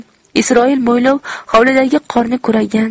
isroil mo'ylov hovlidagi qorni kuragan